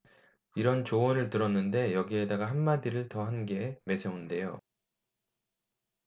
이런 조언을 들었는데 여기에다가 한마디를 더 한 게 매서운데요